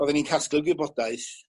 oddan i'n casglu'r gwybodaeth